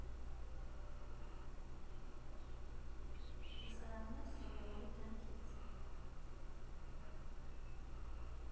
Տեսարաններ սովորողի կյանքից։